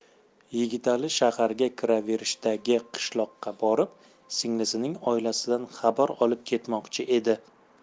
yigitali shaharga kiraverishdagi qishloqqa borib singlisining oilasidan xabar olib ketmoqchi edi